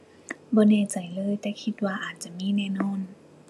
บ่แน่ใจเลย แต่คิดว่าอาจจะมีแน่นอน